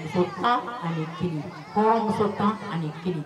Kan ani kelenmuso kan ani kelen